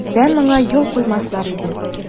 Бездә моңа юл куймаслар иде.